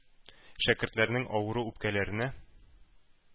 Шәкертләрнең авыру үпкәләренә